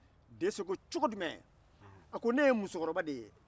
dɛsɛ ko cogo jumɛn a ko ne ye musokɔrɔba de ye